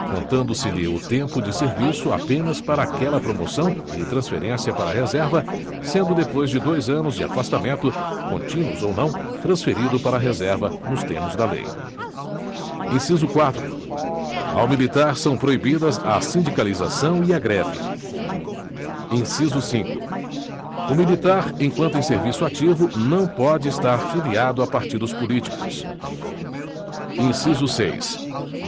contando se lhe o tempo de serviço apenas para aquela promoção e transferência para a reserva sendo depois de dois anos de afastamento contínuos ou não transferido para a reserva nos termos da lei inciso quatro ao militar são proibidas a sindicalização e a greve inciso cinco o militar enquanto em serviço ativo não pode estar filiado a partidos políticos inciso seis